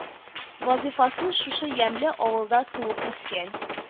Вазыйфасын шушы ямьле авылда туып-үскән